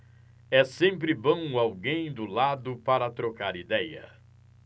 é sempre bom alguém do lado para trocar idéia